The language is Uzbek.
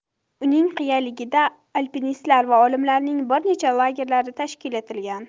uning qiyaligida alpinistlar va olimlarning bir necha lagerlari tashkil etilgan